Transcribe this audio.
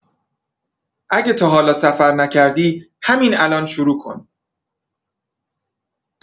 اگه تاحالا سفر نکردی، همین الان شروع کن.